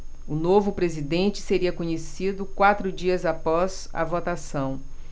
o novo presidente seria conhecido quatro dias após a votação